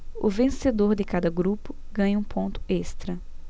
o vencedor de cada grupo ganha um ponto extra